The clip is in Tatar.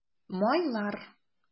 Майлар